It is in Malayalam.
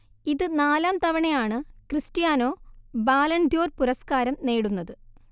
ഇത് നാലാം തവണയാണ് ക്രിസ്റ്റ്യാനോ ബാലൺദ്യോർ പുരസ്കാരം നേടുന്നത്